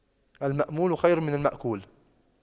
المأمول خير من المأكول